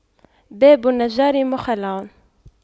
باب النجار مخَلَّع